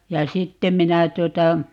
ja sitten minä tuota